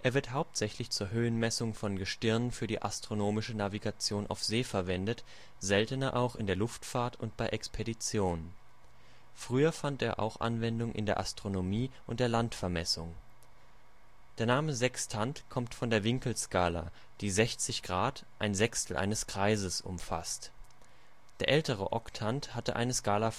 wird hauptsächlich zur Höhenmessung von Gestirnen für die astronomische Navigation auf See verwendet, seltener auch in der Luftfahrt und bei Expeditionen. Früher fand er auch Anwendung in der Astronomie und der Landvermessung. Der Name Sextant kommt von der Winkelskala, die 60° (ein Sechstel eines Kreises) umfasst. Der ältere Oktant hatte eine Skala